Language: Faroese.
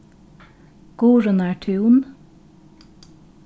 guðrunartún